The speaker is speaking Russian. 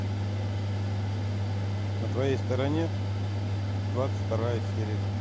на твоей стороне двадцать вторая серия